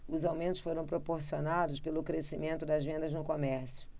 os aumentos foram proporcionados pelo crescimento das vendas no comércio